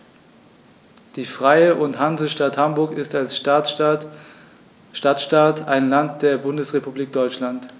Die Freie und Hansestadt Hamburg ist als Stadtstaat ein Land der Bundesrepublik Deutschland.